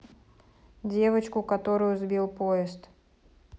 девочку которую сбил поезд